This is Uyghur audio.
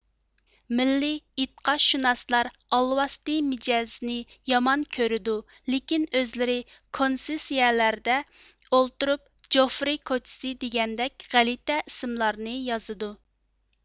مىللىي ئىتىقادشۇناسلار ئالۋاستى مىجەزنى يامان كۆرىدۇ لېكىن ئۆزلىرى كونسېسسىيىلەردە ئولتۇرۇپ جوفرى كوچىسى دېگەندەك غەلىتە ئىسىملارنى يازىدۇ